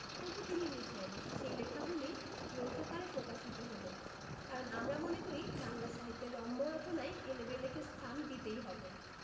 তবু তিনি লিখলেন সেই লেখাগুলি গ্রন্থাকারে প্রকাশিত হল কারণ আমরা মনে করি বাংলা সাহিত্যের রম্য রচনায় এলেবেলে' কে স্থান দিতেই হবে